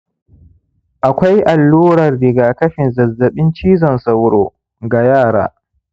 akwai allurar rigakafin zazzabin cizon sauro ga yara